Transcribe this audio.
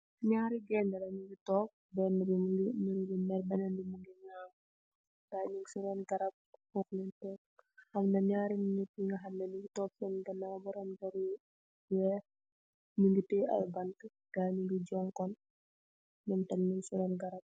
Njaari gaindeh la nungy tok, benue bii mungy, mungy merr, benen bii mungy ngaan, gaii nung cii ron garab, fofu len tok, amna njaari nitt njur hamneh njungy tok sen ganaw borom mbuba yu wekh, njungy tiyeh aiiy bantue, gai njungy johnkon, njom tamit nung cii ron garab bii.